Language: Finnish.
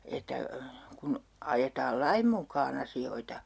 että kun ajetaan lain mukaan asioita